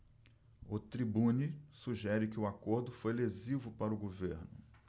o tribune sugere que o acordo foi lesivo para o governo